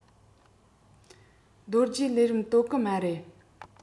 རྡོ རྗེ ལས རིམ དོ གུ མ རེད